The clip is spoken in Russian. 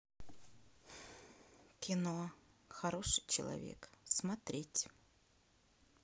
кино хороший человек смотреть